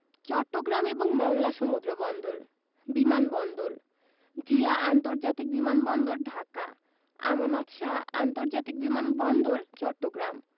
চট্টগ্রাম এবং মংলা সমুদ্রবন্দর বিমান বন্দরঃ জিয়া আন্তর্জাতিক বিমান বন্দর ঢাকা আমানত শাহ্ আন্তর্জাতিক বিমান বন্দর চট্টগ্রাম